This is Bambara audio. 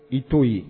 I t'o ye